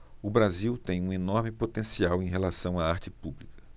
o brasil tem um enorme potencial em relação à arte pública